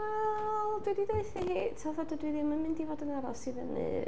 Wel, dwi 'di deud wrthi hi, ti'n gwbod fatha, dwi ddim yn mynd i fod yn aros i fyny.